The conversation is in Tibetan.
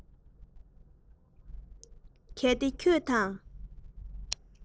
གལ ཏེ ཁྱོད རང